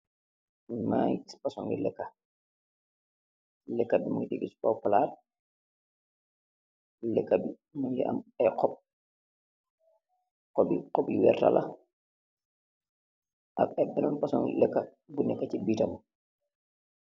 Maa ngi gis ay fasong i, leekë. Leeka bi mu ngi si kow palaat. Leeka bi, mu ngi am ay xob, xob yi, xob i werta la. Am ay yenan fasong I leeka yu neeka si biiram.